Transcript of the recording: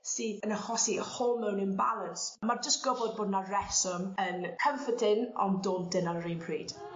sydd yn achosi hormone imbalance ma'r jyst gwbod bod 'na reswm yn comforting ond daunting ar yr un pryd,